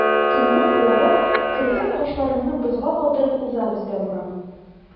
Тынны куырып, керфек-кашларыңны бозга катырып уза бездә буран.